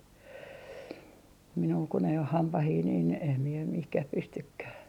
minulla kun ei ole hampaita niin en minä mihinkään pystykään